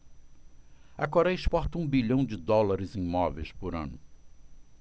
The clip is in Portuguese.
a coréia exporta um bilhão de dólares em móveis por ano